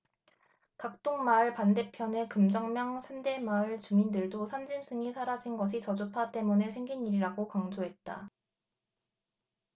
각동마을 반대편의 금정면 산대마을 주민들도 산짐승이 사라진 것이 저주파 때문에 생긴 일이라고 강조했다